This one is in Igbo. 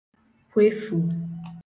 kwefù